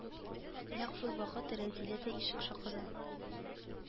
Нәкъ шул вакыт Рәзилә дә ишек шакыды